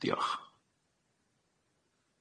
Dioch.